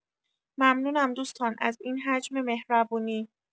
ممنونم دوستان از این حجم مهربونی